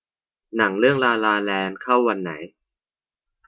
หนังเรื่องลาลาแลนด์เข้าวันไหน